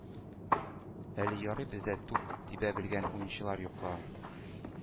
Әле ярый бездә туп тибә белгән уенчылар юклыгын